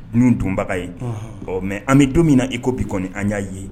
Ninnu dunbaga ye ɔ mais an bɛ don min na, i ko bi kɔni, an y'a ye